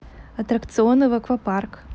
аттракционы в аквапарк